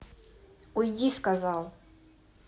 уйди сказал